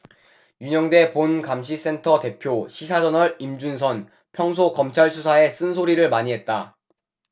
윤영대 본감시센터 대표 시사저널 임준선 평소 검찰수사에 쓴소리를 많이 했다